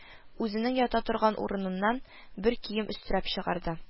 Үзенең ята торган урыныннан бер кием өстерәп чыгарды